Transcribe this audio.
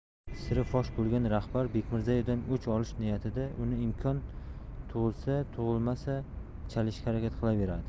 siri fosh bo'lgan rahbar bekmirzaevdan o'ch olish niyatida uni imkon tug'ilsatug'ilmasa chalishga harakat qilaveradi